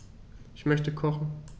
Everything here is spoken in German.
Ich möchte kochen.